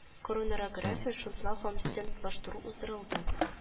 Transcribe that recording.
Коронарография шунтлау һәм стентлаштыру уздырылды